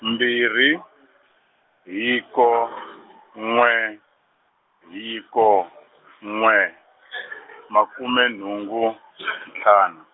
mbirhi, hiko, n'we, hiko, n'we , makume nhungu , ntlhanu.